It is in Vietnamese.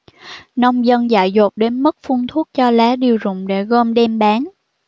nông dân dại dột đến mức phun thuốc cho lá điều rụng để gom đem bán